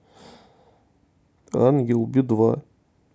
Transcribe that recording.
ангел би два